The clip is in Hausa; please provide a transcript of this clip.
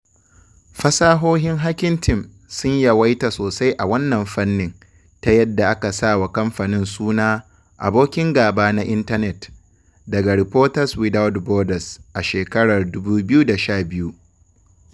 Fasahohin Hacking Team sun yawaita sosai a wannan fannin, ta yadda aka sawa kamfanin suna “Abokin Gaba na Intanet” daga Reporters Without Borders a shekarar 2012.